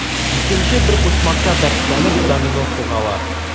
Икенче бер почмакта, дәртләнеп, домино сугалар.